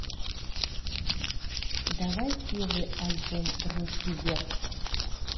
давай первый альбом руки вверх